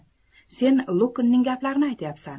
sen luknning gaplarini aytyapsan